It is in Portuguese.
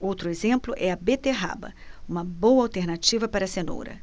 outro exemplo é a beterraba uma boa alternativa para a cenoura